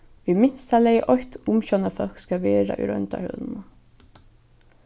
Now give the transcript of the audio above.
í minsta lagi eitt umsjónarfólk skal vera í royndarhølunum